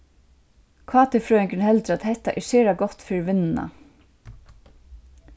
kt-frøðingurin heldur at hetta er sera gott fyri vinnuna